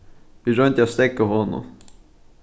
vit royndi at steðga honum